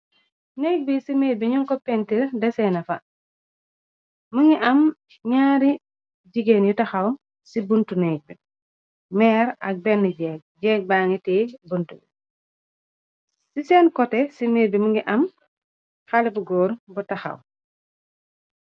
Nèeg bi ci miir bi nung ko pentirr dèsènè fa. Mungi am ñaari jigéen yu tahaw ci buntu nèeg bi merr ak benn jèk. Jèk bangi tè buntu. Ci senn kotè ci miir bi mungi am haley bu góor bu tahaw.